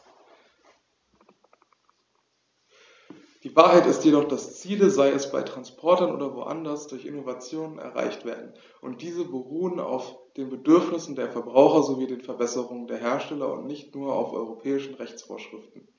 Die Wahrheit ist jedoch, dass Ziele, sei es bei Transportern oder woanders, durch Innovationen erreicht werden, und diese beruhen auf den Bedürfnissen der Verbraucher sowie den Verbesserungen der Hersteller und nicht nur auf europäischen Rechtsvorschriften.